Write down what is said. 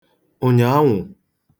ụ̀nyàanwụ̀